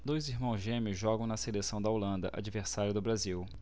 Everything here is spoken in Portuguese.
dois irmãos gêmeos jogam na seleção da holanda adversária do brasil